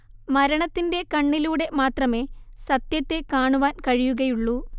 മരണത്തിന്റെ കണ്ണിലൂടെ മാത്രമേ സത്യത്തെ കാണുവാൻ കഴിയുകയുള്ളു